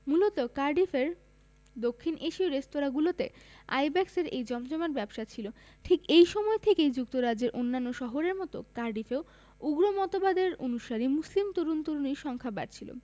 মূলত কার্ডিফের দক্ষিণ এশীয় রেস্তোরাঁগুলোতে আইব্যাকসের এই জমজমাট ব্যবসা ছিল ঠিক এই সময় থেকেই যুক্তরাজ্যের অন্যান্য শহরের মতো কার্ডিফেও উগ্র মতবাদের অনুসারী মুসলিম তরুণ তরুণীর সংখ্যা বাড়ছিল